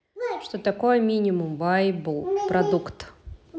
что такое минимум вайбл продукт